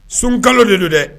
Sun kalo de don dɛ.